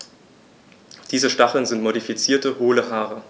Diese Stacheln sind modifizierte, hohle Haare.